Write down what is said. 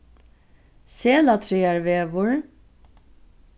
selatraðarvegur